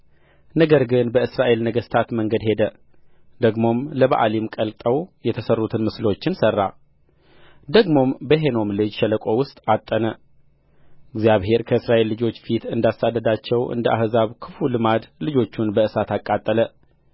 ነገር ግን በእስራኤል ነገሥታት መንገድ ሄደ ደግሞም ለበኣሊም ቀልጠው የተሠሩትን ምስሎችን ሠራ ደግሞም በሄኖም ልጅ ሸለቆ ውስጥ ዐጠነ እግዚአብሔር ከእስራኤል ልጆች ፊት እንዳሳደዳቸው እንደ አሕዛብም ክፉ ልማድ ልጆቹን በእሳት አቃጠለ